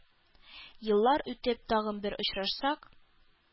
Еллар үтеп, тагын бер очрашсак,